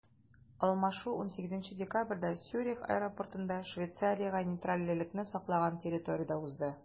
Алмашу 18 декабрьдә Цюрих аэропортында, Швейцариягә нейтральлекне саклаган территориядә узды.